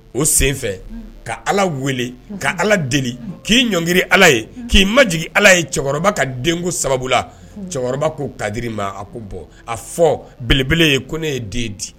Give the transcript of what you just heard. O senfɛ ka Ala wele ka Ala deli k'i ɲɔngkiri Ala ye k'i majigin Ala ye cɛkɔrɔba ka den sababu la ko kadiri ma a ko bɔn a fɔ belebele ye ko ne ye den di.